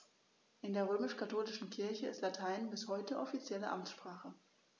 In der römisch-katholischen Kirche ist Latein bis heute offizielle Amtssprache.